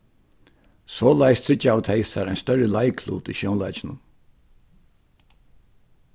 soleiðis tryggjaðu tey sær ein størri leiklut í sjónleikinum